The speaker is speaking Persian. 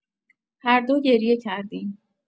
هر دو گریه کردیم.